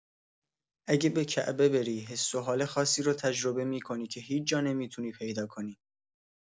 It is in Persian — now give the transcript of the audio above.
اگه به کعبه بری، حس و حال خاصی رو تجربه می‌کنی که هیچ‌جا نمی‌تونی پیدا کنی.